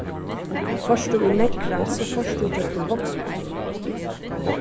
fórt tú í neðra so fórt tú gjøgnum vágsbotn